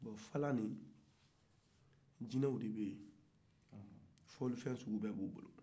o tu'in kɔnɔ jinɛw de be ye fɔlifɛ suguya bɛɛ bɛ u bolo